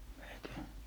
että